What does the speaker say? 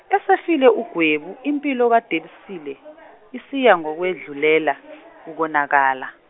esefile uGwebu, impilo kaDelsie le, isiyangokwedlulela, ukonakala.